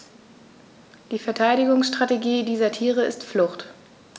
Die Verteidigungsstrategie dieser Tiere ist Flucht.